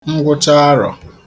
ngwụcha arọ̀